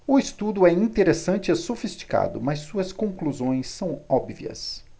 o estudo é interessante e sofisticado mas suas conclusões são óbvias